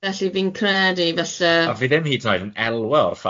Felly fi'n credu falle... A fi ddim hyd yn oed yn elwa